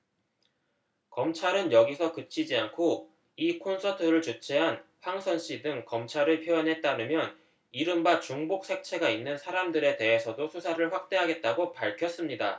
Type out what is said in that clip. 검찰은 여기서 그치지 않고 이 콘서트를 주최한 황선 씨 등 검찰의 표현에 따르면 이른바 종북 색채가 있는 사람들에 대해서도 수사를 확대하겠다고 밝혔습니다